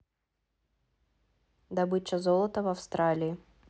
добыча золота в австралии